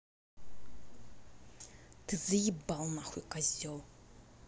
ты заебал нахуй козел